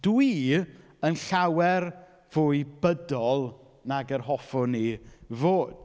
Dwi yn llawer fwy bydol nag yr hoffwn i fod.